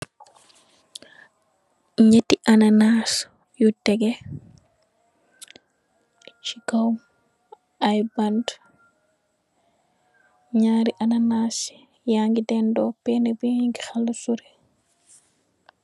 Ñetti ananas yu tegeh ci kaw ay bant, ñaari ananas ya ngi dendó benna ba ngi xawa sori.